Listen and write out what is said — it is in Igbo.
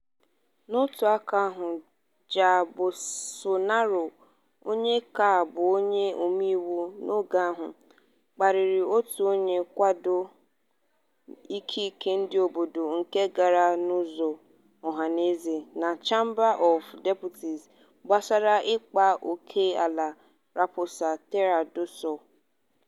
N'otu aka ahụ, Jair Bolsonaro, onye ka bụ onye omeiwu n'oge ahụ, kparịrị otu onye nkwado ikike ndị obodo nke gara nzukọ ọhanaeze na Chamber of Deputies gbasara ịkpa ókèala Raposa Terra do Sol.